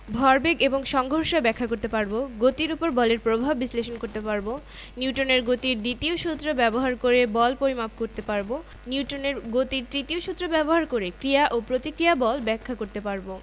বল কীভাবে বস্তুর উপর কাজ করে সেটি নিয়ে আলোচনা করার সময় খুব স্বাভাবিকভাবেই বিভিন্ন ধরনের বল বস্তুর জড়তা বলের প্রকৃতি ঘর্ষণ বল এই বিষয়গুলোও আলোচনায় উঠে আসবে